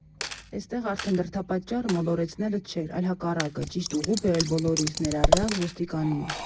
Էստեղ արդեն դրդապատճառը մոլորեցնելը չէր, այլ հակառակը՝ ճիշտ ուղու բերել բոլորիս՝ ներառյալ ոստիկանին։